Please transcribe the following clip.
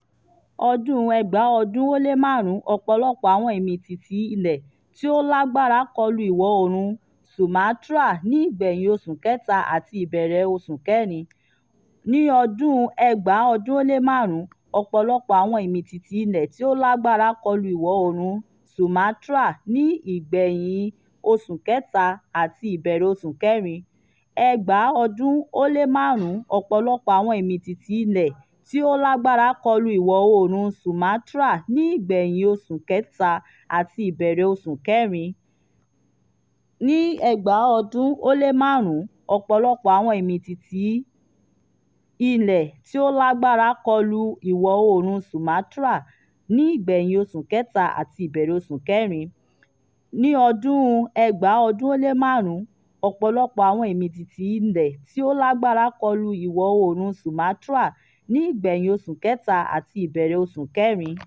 Ọdún 2005: Ọ̀pọ̀lọpọ̀ àwọn Ìmìtìtì ilẹ̀ tí ó lágbára kọlu ìwọ̀-oòrùn Sumatra ní ìgbẹ̀hìn Oṣù Kẹta àti ìbẹ̀rẹ̀ Oṣù Kẹrin.